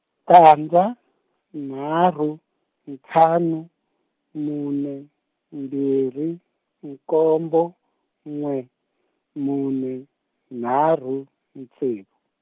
tandza nharhu ntlhanu mune mbirhi nkombo n'we mune nharhu ntsevu.